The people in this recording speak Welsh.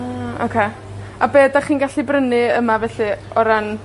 Hmm, oce. A be' ydach chi'n gallu brynu yma, felly, o ran